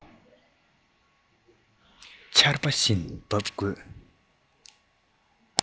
ཆར པ བཞིན འབབ དགོས